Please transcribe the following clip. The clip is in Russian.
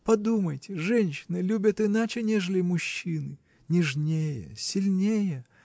Подумайте: женщины любят иначе, нежели мужчины: нежнее, сильнее.